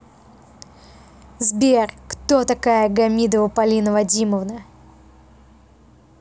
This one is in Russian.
сбер кто такая гамидова полина вадимовна